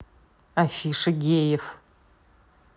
афиша геев